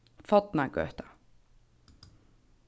fornagøta